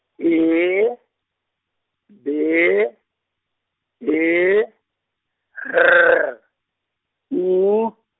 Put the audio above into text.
E, B, E, R, U.